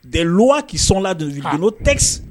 De wakii sɔnla don n tɛ